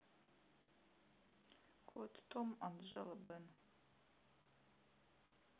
кот том анджела бэн